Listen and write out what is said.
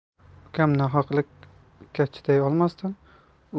ukam nohaqlikka chiday olmasdan